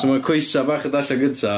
So ma 'na coesau bach yn dod allan gynta.